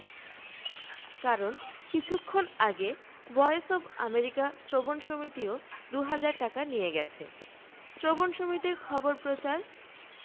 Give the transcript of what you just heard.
কারণ কিছুক্ষণ আগে ভয়েস অব আমেরিকা শ্রবণ সমিতিও দু হাজার টাকা নিয়ে গেছে শ্রবণ সমিতির খবর প্রচার